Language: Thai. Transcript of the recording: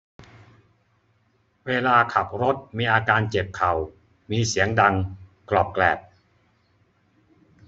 เวลาขับรถมีอาการเจ็บเข่ามีเสียงดังกรอบแกรบ